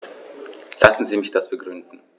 Lassen Sie mich das begründen.